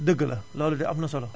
dëgg la loolu de am na solo